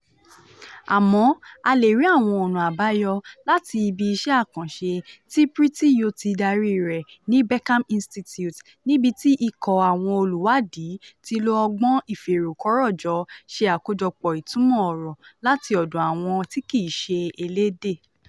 Àmọ̀ a lè rí àwọn ọ̀nà àbáyọ láti ibi iṣẹ́ àkànṣe tí Preethi Jyothi darí rẹ̀ ní Beckman Institute, níbi tí ikọ̀ àwọn olùwádìí ti lo ọgbọ́n ìfèròkọ́rọ̀jọ ṣe àkójọpọ̀ ìtumọ̀ ọ̀rọ̀ láti ọ̀dọ̀ àwọn tí kìí ṣe elédè.